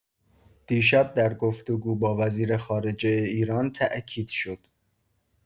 دیشب در گفت‌وگو با وزیر خارجه ایران تاکید شد.